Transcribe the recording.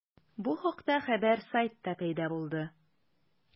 Бу хакта хәбәр сайтта пәйда булды.